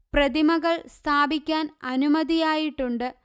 പ്രതിമകൾ സ്ഥാപിക്കാൻ അനുമതിയായിട്ടുണ്ട്